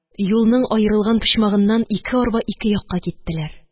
Юлның аерылган почмагыннан ике арба ике якка киттеләр.